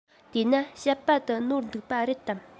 དེ ན བཤད པ འདི ནོར འདུག པ རེད དམ